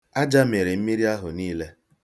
Aja mịrị mmiri niile ahụ.